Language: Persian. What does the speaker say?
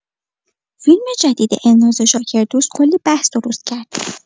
فیلم جدید الناز شاکردوست کلی بحث درست کرد.